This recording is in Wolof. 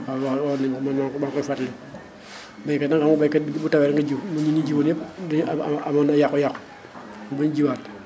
waaw waxoon waxoon nañu ma ko man maa ko maa ngi koy fàttaliku baykat nag baykat bu tawee rek nga jiw ñi jiwoon ñëpp dañu am am amoon nañ yàqu-yàqu bañ jiwaat